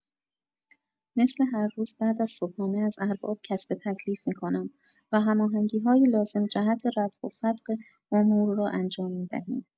مثل هر روز بعد از صبحانه از ارباب کسب تکلیف می‌کنم و همانگی‌های لازم جهت رتق و فتق امور را انجام می‌دهیم.